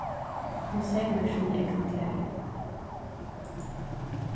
hon seymar síni egnu klæðir